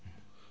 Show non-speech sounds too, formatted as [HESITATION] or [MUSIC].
[HESITATION]